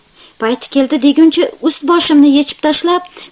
payti keldi deguncha ust boshimni yechib tashlab